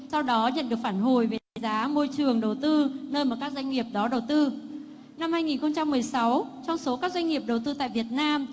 sau đó nhận được phản hồi về giá môi trường đầu tư nơi mà các doanh nghiệp đó đầu tư năm hai nghìn không trăm mười sáu trong số các doanh nghiệp đầu tư tại việt nam